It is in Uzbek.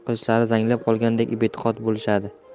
qilichlari zanglab qoladigandek betoqat bo'lishadi